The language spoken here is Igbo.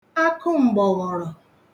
akụm̀gbọ̀ghọ̀rọ̀